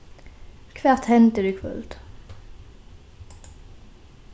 hvat hendir í kvøld